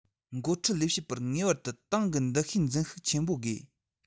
འགོ ཁྲིད ལས བྱེད པར ངེས པར དུ ཏང གི འདུ ཤེས འཛིན ཤུགས ཆེན པོ དགོས